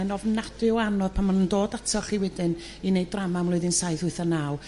yn ofnadwy o anodd pan ma' nhw'n dod atoch chi wedyn i neu' drama 'm mlwyddyn saith wyth a naw.